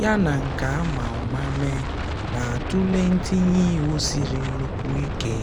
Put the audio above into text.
yana nke a ma ụma mee, na-atụle ntinye iwu siri nnukwu ike.